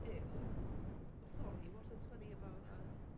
Yw... Sori what was funny about that?